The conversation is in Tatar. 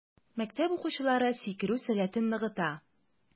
Мәктәп укучылары сикерү сәләтен ныгыта.